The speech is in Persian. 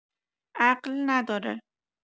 عقل نداره